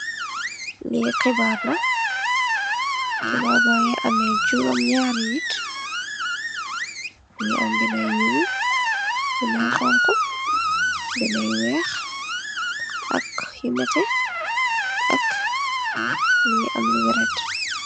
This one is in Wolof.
Li xibaar la xibaar bangi ameh juroom nyaari nit ngi ameh nyu nyool benen xonxu benen weex ak yu nete ak mungi am lu weret